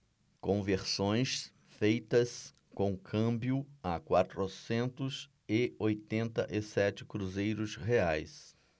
conversões feitas com câmbio a quatrocentos e oitenta e sete cruzeiros reais